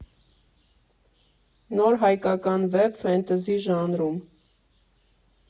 Նոր հայկական վեպ՝ ֆենթըզի ժանրում։